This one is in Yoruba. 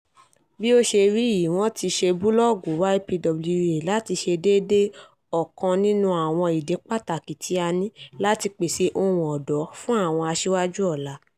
Bí ó ṣe rí yìí, wọ́n ti ṣe búlọ́ọ̀gù YPWA láti ṣe déédéé ọ̀kan nínú àwọn ìdí kan pàtàkì tí a ní: láti pèsè "ohùn ọ̀dọ́" fún àwọn asíwájú ọ̀la.